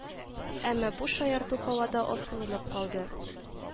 Әмма бу шаярту һавада асылынып калды